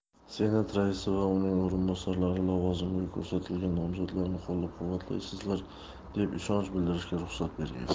senat raisi va uning o'rinbosarlari lavozimiga ko'rsatilgan nomzodlarni qo'llab quvvatlaysizlar deb ishonch bildirishga ruxsat bergaysiz